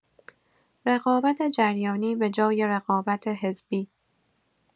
رقابت جریانی به‌جای رقابت حزبی